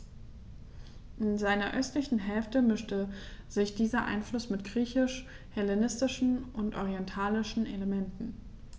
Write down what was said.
In seiner östlichen Hälfte mischte sich dieser Einfluss mit griechisch-hellenistischen und orientalischen Elementen.